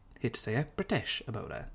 hate to say it British about it.